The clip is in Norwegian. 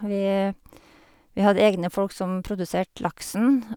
vi Vi hadde egne folk som produserte laksen.